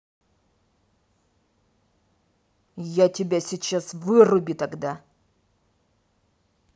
я тебя сейчас выруби тогда